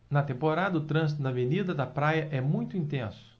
na temporada o trânsito na avenida da praia é muito intenso